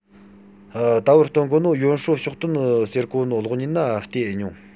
ད བར སྟོན གོ ནོ ཡོན ཧྲོའེ གཤེགས དོན ཟེར གོ ནོ གློག བརྙན ན བལྟས ཨེ མྱོང